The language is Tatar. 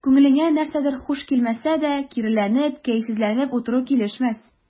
Күңелеңә нәрсәдер хуш килмәсә дә, киреләнеп, кәефсезләнеп утыру килешмәс.